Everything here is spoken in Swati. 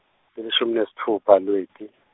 tilishumi nesitfupha, Lweti.